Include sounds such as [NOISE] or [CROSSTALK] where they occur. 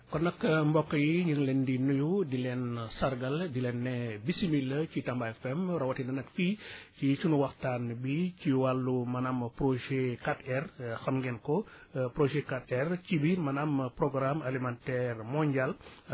kon nag mbokk yi ñu ngi leen di nuyu di leen sargal di leen ne bisimilaa ci Tamba FM rawatina nag fii [BREATH] ci sunu waxtaan bii ci wàllu maanaam projet 4R xam ngeen ko projet 4R ci biir maanaam programme alimentaire mondial [BREATH]